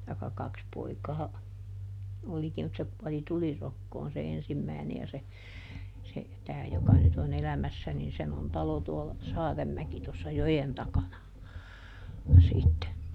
tai kaksi poikaa olikin mutta se kuoli tulirokkoon se ensimmäinen ja se se tämä joka nyt on elämässä niin sen on talo tuolla Saarenmäki tuossa joen takana sitten